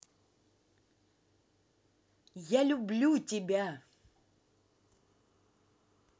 я люблю тебя